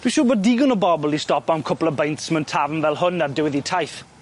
Dwi siŵr bo' digon o bobol 'di stopo am cwpwl o beints mewn tafrn fel hwn ar diwedd 'u taith.